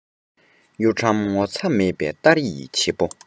གཡོ ཁྲམ ངོ ཚ མེད པའི སྟ རེ ཡི བྱེད པོ